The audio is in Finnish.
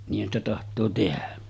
niinhän sitä tahtoo tehdä